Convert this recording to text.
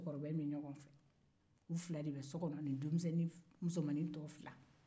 a ni musokɔrɔba in fila ni den musomannin tɔ fila bɛ so kɔnɔ